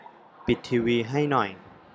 ปิดทีวีให้หน่อย